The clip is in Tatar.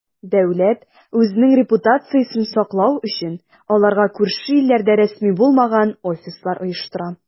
Дәүләт, үзенең репутациясен саклау өчен, аларга күрше илләрдә рәсми булмаган "офислар" оештыра.